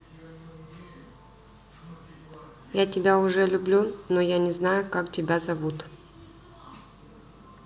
я тебя уже люблю но я не знаю как тебя зовут